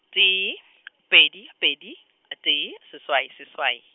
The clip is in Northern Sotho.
tee , pedi, pedi, a- tee, seswai, seswai.